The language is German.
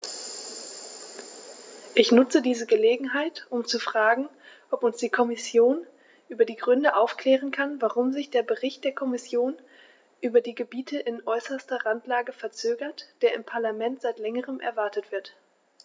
Ich nutze diese Gelegenheit, um zu fragen, ob uns die Kommission über die Gründe aufklären kann, warum sich der Bericht der Kommission über die Gebiete in äußerster Randlage verzögert, der im Parlament seit längerem erwartet wird.